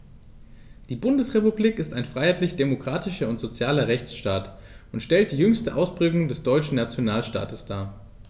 Die Bundesrepublik ist ein freiheitlich-demokratischer und sozialer Rechtsstaat und stellt die jüngste Ausprägung des deutschen Nationalstaates dar.